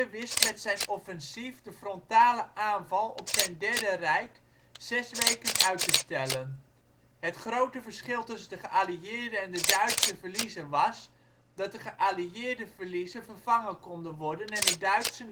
wist met zijn offensief de frontale aanval op zijn Derde Rijk zes weken uit te stellen. Het grote verschil tussen de geallieerde en de Duitse verliezen was, dat de geallieerde verliezen vervangen konden worden en de Duitse